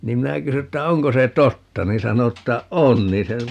niin minä kysyin että onko se totta niin sanoi että on niin se